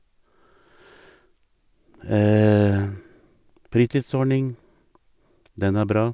Fritidsordning, den er bra.